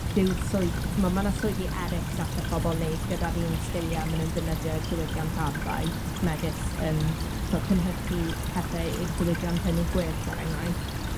dyw'r swydd t'mo, ma' 'na swyddi eryll galle pobol neud gyda'r un sgilie ma' nw'n defnyddio i'r diwydiant arfau, megis yym t'od cynhyrchu pethe i'r diwydiant ynni gwyrdd, er enghraifft.